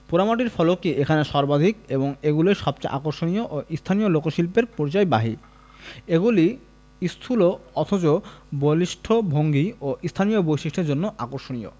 পোড়ামাটির ফলকই এখানে সর্বাধিক এবং এগুলিই সবচেয়ে আকর্ষণীয় ও স্থানীয় লোকশিল্পের পরিচয়বাহী এগুলি স্থুল অথচ বলিষ্ঠ ভঙ্গি এবং স্থানীয় বৈশিষ্ট্যের জন্য আকর্ষণীয়